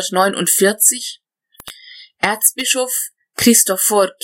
1949 Erzbischof Kristofor